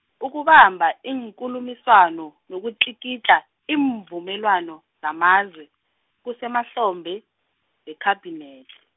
ukubamba iinkulumiswano nokutlikitla, iimvumelwano zamazwe, kusemahlombe wekhabinethe.